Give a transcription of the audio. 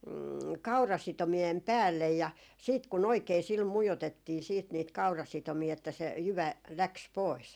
kaurasitomien päälle ja sitten kun oikein sillä mujotettiin sitten niitä kaurasitomia että se jyvä lähti pois